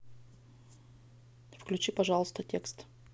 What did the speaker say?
включи пожалуйста текст